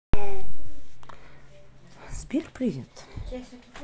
сбер привет